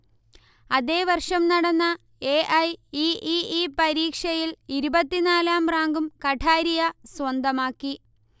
അതേവർഷം നടന്ന A. I. E. E. E. പരീക്ഷയിൽ ഇരുപത്തിനാലാം റാങ്കും കഠാരിയ സ്വന്തമാക്കി